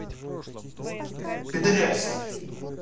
педераст